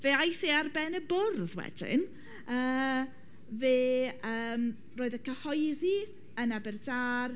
Fe aeth e ar ben y bwrdd wedyn. Yy fe yym roedd y cyhoeddi yn Abertdâr.